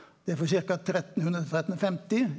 det er frå ca. 1300 til trettenfemti.